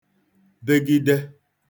begide